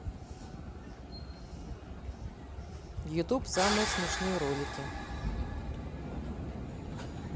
ютуб самые смешные ролики